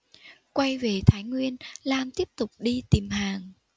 quay về thái nguyên lan tiếp tục đi tìm hàng